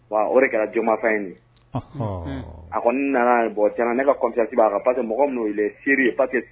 O de kɛra Jomayifayi in a kɔni nana bon ne ka confiance ba kan parceque mɔgɔ min don il est sérieux